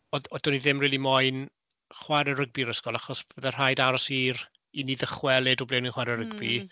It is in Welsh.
Oedd oedd 'da ni ddim rili moyn chwarae rygbi i'r ysgol achos byddai rhaid aros i'r... i ni ddychwelyd o ble o'n i'n chwarae rygbi... hmm.